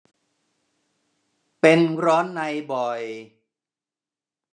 เป็นร้อนในบ่อย